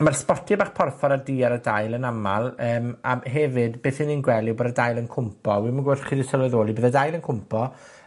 ma'r sbotie bach porffor a du ar y dail yn amal... Yym a m- hefyd beth 'yn ni'n gwel' yw bod y dail yn cwmpo. Wi'm yn gwbo chi 'di sylweddoli bydd y dail yn cwympo,